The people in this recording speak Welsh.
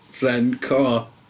Ren co.